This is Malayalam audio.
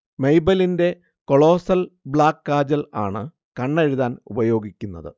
മെയ്ബെലൈന്റെ കൊളോസൽ ബ്ലാക്ക് കാജൽ ആണ് കണ്ണെഴുതാൻ ഉപയോഗിക്കുന്നത്